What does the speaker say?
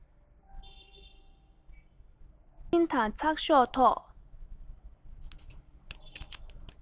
བརྙན འཕྲིན དང ཚགས ཤོག ཐོག